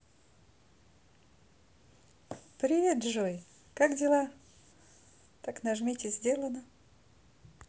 джой привет как дела так нажмите сделано